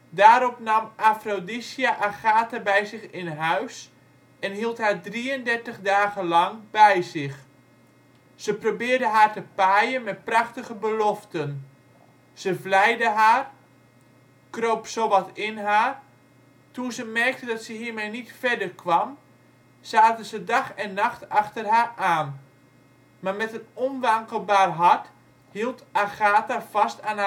Daarop nam Aphrodisia Agatha bij zich in huis, en hield haar 33 dagen lang bij zich. Ze probeerde haar te paaien met prachtige beloften; ze vleide haar; kroop zowat in haar. Toen ze merkte dat ze hiermee niet verder kwam, zaten ze dag en nacht achter haar aan. Maar met een onwankelbaar hart hield Agatha vast aan